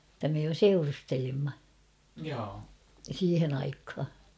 että me jo seurustelimme siihen aikaan